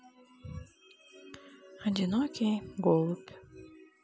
одинокий голубь